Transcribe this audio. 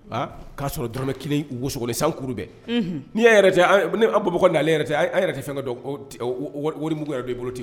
Ka sɔrɔ dɔrɔmɛ kelen wosogolen , san kuru bɛɛ. Ni yan yɛrɛ tɛ , an ka Bmakɔ nalen tɛ an yɛrɛ tɛ fɛnkɛ yɛrɛ dɔn . Wari mugu maralen i bolo